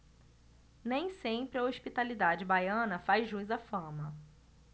nem sempre a hospitalidade baiana faz jus à fama